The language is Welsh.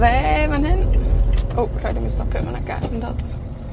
dde man 'yn. O rhaid i mi stopio ma' 'na gar yn dod.